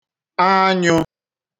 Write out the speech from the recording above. anyụ